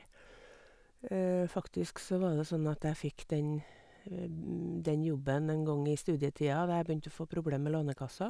Faktisk så var det sånn at jeg fikk den den jobben en gang i studietida da jeg begynte å få problemer med Lånekassa.